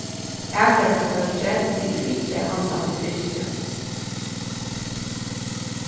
avgreiðslufólkið situr ikki handan diskin